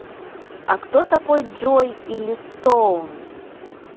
а кто такой джой или stone